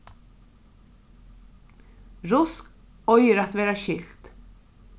rusk eigur at verða skilt